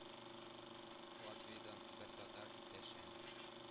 Латвиядән, бер татар иптәшән